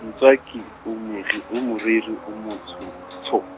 Ntswaki o mori-, o moriri o mo tshotsho.